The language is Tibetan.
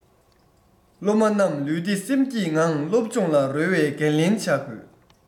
སློབ མ རྣམས ལུས བདེ སེམས སྐྱིད ངང སློབ སྦྱོང ལ རོལ བའི འགན ལེན བྱ དགོས